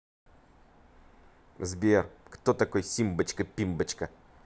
сбер кто такой симбочка пимбочка